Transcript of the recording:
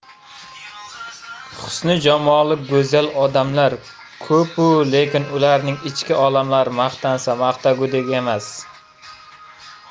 husni jamoli go'zal odamlar ko'pu lekin ularning ichki olamlari maqtasa maqtagudek emas